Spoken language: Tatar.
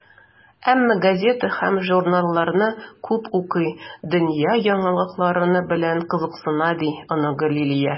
Әмма газета һәм журналларны күп укый, дөнья яңалыклары белән кызыксына, - ди оныгы Лилия.